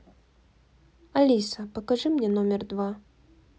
алиса покажи мне номер два